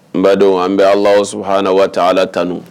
N bɛ don an bɛ haana waa ala la tanun